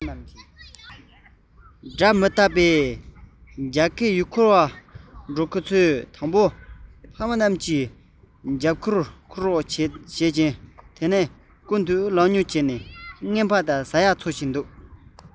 སྒྲ མི དག པའི རྒྱ སྐད ཡུལ སྐོར ལ འགྲོ ཁོ ཚོས དང པོ ཕ མ རྣམས ཀྱི རྒྱབ ཁུག འཁུར རོགས བྱེད ཅིང པར ཁུག ཀུན ཏུ ལག ཉུལ བྱས ནས རྔན པ འཚོལ